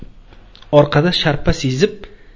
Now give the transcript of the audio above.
orqada sharpa sezib